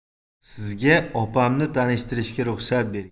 sizga opamni tanishtirishga ruxsat bering